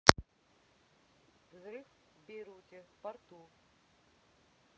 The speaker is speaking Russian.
взрыв в бейруте в порту